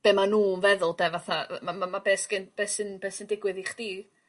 be ma'n nhw'n feddwl 'de fatha m- ma' ma ma' be' sgin be' sy'n be' sy'n digwydd i chdi